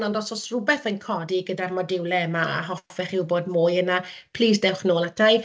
ond os oes rhywbeth yn codi gyda'r modiwlau yma a hoffech chi wybod mwy yna, plis dewch nôl ata i.